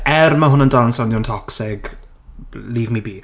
Er mae hwnna'n dal yn swnio'n toxic. Leave me be.